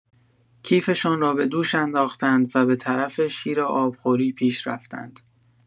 کیفشان را به دوش انداختند و به‌طرف شیر آب‌خوری پیش رفتند.